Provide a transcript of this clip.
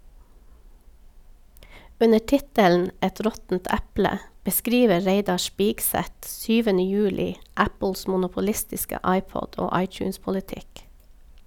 Under tittelen "Et råttent eple" beskriver Reidar Spigseth 7. juli Apples monopolistiske iPod- og iTunes-politikk.